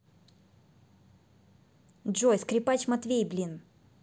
джой скрипач матвей блин